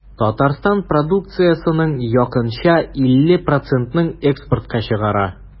Татарстан продукциясенең якынча 50 процентын экспортка чыгара.